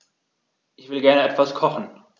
Ich will gerne etwas kochen.